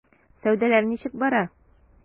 Сәүдәләр ничек бара?